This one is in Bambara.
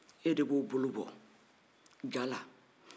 e de b'o bolo bɔ ga la